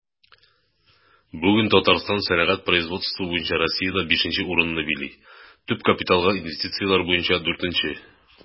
Бүген Татарстан сәнәгать производствосы буенча Россиядә 5 нче урынны били, төп капиталга инвестицияләр буенча 4 нче.